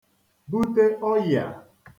bute ọyịà